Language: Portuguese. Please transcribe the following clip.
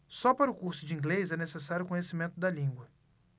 só para o curso de inglês é necessário conhecimento da língua